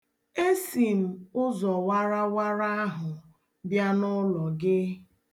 Esi m ụzọ warawara ahụ bịa n'ụlọ gị.